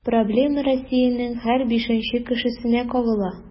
Проблема Россиянең һәр бишенче кешесенә кагыла.